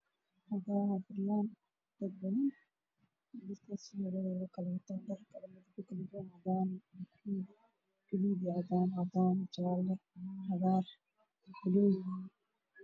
Halkan wax fadhiyaan dad badan oo wataan dhar kala duwan sida cadaan bulug